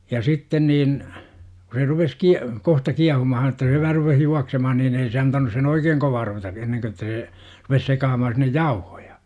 ja sitten niin kun se rupesi - kohta kiehumaan että se vähän rupesi juoksemaan niin ei se antanut sen oikein kovaa ruveta ennen kun että se rupesi sekaamaan sinne jauhoja